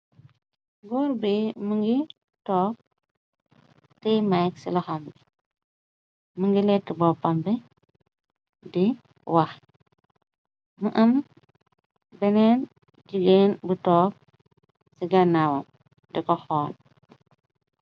Goor bi mongi toog teye mike ci laxam bi mongi letta boppambi di wax mu am beneen jigeen bu toog ci gannaawam di ko xool.